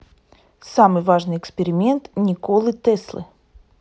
самый важный эксперимент николы теслы